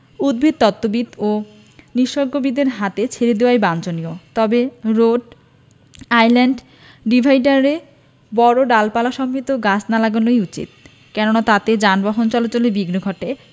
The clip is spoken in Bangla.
উদ্ভিদতত্ত্ববিদ ও নিসর্গবিদদের হাতে ছেড়ে দেয়াই বাঞ্ছনীয় তবে রোড আইল্যান্ড ও ডিভাইডারে বড় ডালপালাসমৃদ্ধ গাছ না লাগানোই উচিত কেননা তাতে যানবাহন চলাচলে বিঘ্ন ঘটে